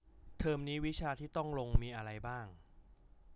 เทอมนี้วิชาที่ต้องลงมีอะไรบ้าง